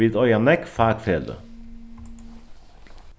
vit eiga nógv fakfeløg